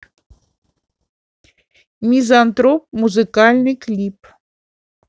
мизантроп музыкальный клип